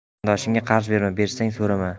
qarindoshingga qarz berma bersang so'rama